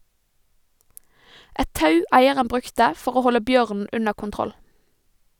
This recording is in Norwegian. Et tau eieren brukte for å holde bjørnen under kontroll.